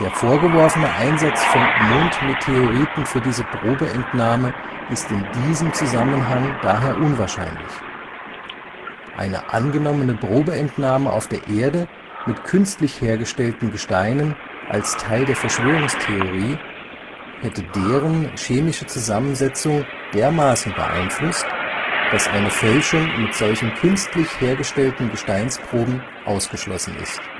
vorgeworfene Einsatz von Mondmeteoriten für diese Probeentnahme ist in diesem Zusammenhang daher unwahrscheinlich. Eine angenommene Probeentnahme auf der Erde mit künstlich hergestellten Gesteinen, als Teil der Verschwörungstheorie, hätte deren chemische Zusammensetzung (siehe Wasserhülle) dermaßen beeinflusst, dass eine Fälschung mit solchen künstlich hergestellten Gesteinsproben ausgeschlossen ist